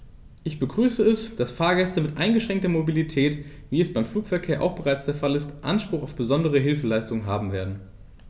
Ich begrüße es, dass Fahrgäste mit eingeschränkter Mobilität, wie es beim Flugverkehr auch bereits der Fall ist, Anspruch auf besondere Hilfeleistung haben werden.